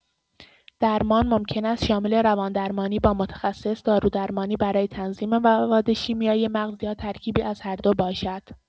درمان ممکن است شامل روان‌درمانی با متخصص، دارودرمانی برای تنظیم مواد شیمیایی مغز، یا ترکیبی از هر دو باشد.